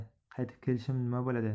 qaytib kelishim nima bo'ladi